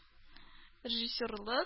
Режиссерлык